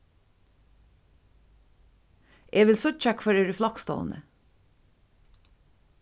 eg vil síggja hvør er í floksstovuni